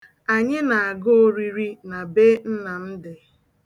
Anyị na-aga oriri na be Nnamdị.